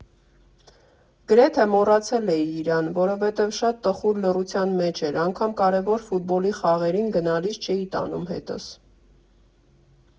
Գրեթե մոռացել էի իրան, որովհետև շատ տխուր լռության մեջ էր, անգամ կարևոր ֆուտբոլի խաղերին գնալիս չէի տանում հետս։